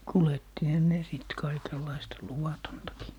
kuljettihan ne sitten kaikenlaista luvatontakin